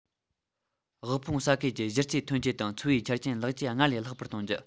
དབུལ ཕོངས ས ཁུལ གྱི གཞི རྩའི ཐོན སྐྱེད དང འཚོ བའི ཆ རྐྱེན ལེགས བཅོས སྔར ལས ལྷག པར གཏོང རྒྱུ